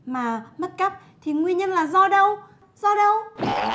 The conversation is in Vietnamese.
mà mất cắp thì nguyên nhân là do đâu do đâu